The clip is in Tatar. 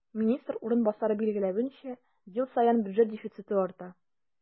Министр урынбасары билгеләвенчә, ел саен бюджет дефициты арта.